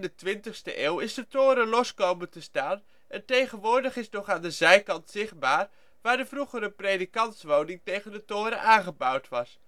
de toren los komen te staan en tegenwoordig is nog aan de zijkant zichtbaar waar de vroegere predikantswoning tegen de toren aangebouwd was